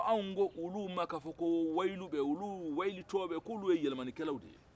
an ko olu ma ko wayilubɛ olu wayilutɔbɛ olu k'olu ye yɛlɛmanikɛlaw de ye